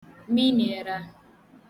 miniẹ̄ra